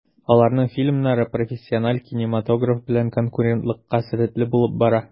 Аларның фильмнары профессиональ кинематограф белән конкурентлыкка сәләтле булып бара.